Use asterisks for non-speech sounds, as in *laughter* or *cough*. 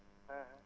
*hesitation* *hesitation*